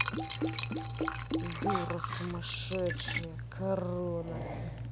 дура сумасшедшая корона